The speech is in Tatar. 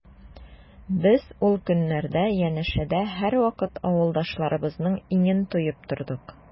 Без ул көннәрдә янәшәдә һәрвакыт авылдашларыбызның иңен тоеп тордык.